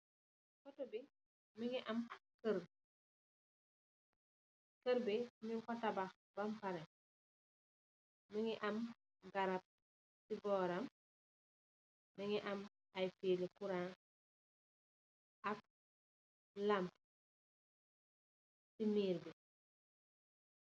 Fotou be muge am kerr, kerr be nugku tabax bampare muge am garab ci booram muge am ay fiili kuran ak lam ci miir bi.